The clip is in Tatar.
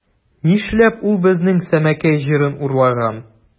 Нишләп ул безнең Сәмәкәй җырын урлаган?